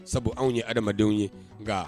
Sabu anw ye adamadenw ye nka